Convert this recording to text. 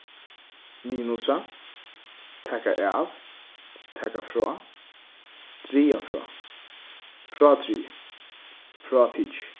minusa taka av taka frá draga frá frádrigið frátikið